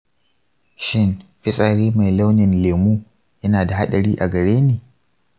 shin fitsari mai launin lemu yana da haɗari a gare ni?